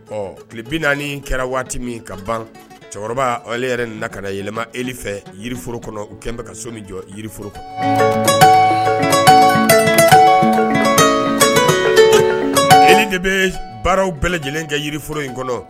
Ɔ tile bi naani kɛra waati min ka ban cɛkɔrɔba ale yɛrɛ na ka yɛlɛma e fɛ yirioro kɔnɔ u kɛlen bɛ ka so min jɔ yiriforo kɔnɔ e de bɛ baaraw bɛɛ lajɛlen kɛ yiriforo in kɔnɔ